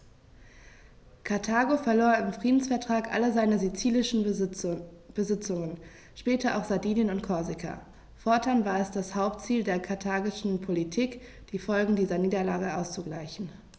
Karthago verlor im Friedensvertrag alle seine sizilischen Besitzungen (später auch Sardinien und Korsika); fortan war es das Hauptziel der karthagischen Politik, die Folgen dieser Niederlage auszugleichen.